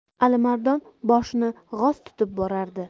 alimardon boshini g'oz tutib borardi